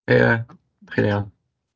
Heia, dach chi'n iawn?